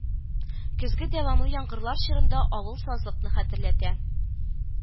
Көзге дәвамлы яңгырлар чорында авыл сазлыкны хәтерләтә